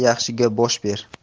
yaxshiga bosh ber